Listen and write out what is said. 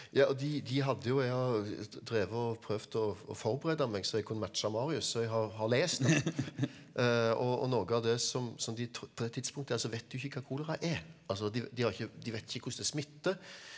ja og de de hadde jo jeg har drevet å prøvd å forberede meg så jeg kunne matche Marius så jeg har har lest og og noe av det som som de trodde på det tidspunktet her så vet de jo ikke hva kolera er altså de de har ikke de vet ikke hvordan det smitter.